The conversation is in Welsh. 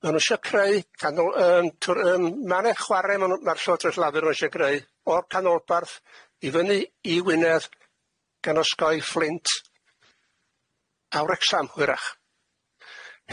Ma' nw isie creu canol- yym twr- yym ma' ne'n chwar'e ma' nw ma'r llywodrwyth lafur nw isie greu o'r canolbarth i fyny i Wynedd gan osgoi Fflint a Wrecsam hwyrach.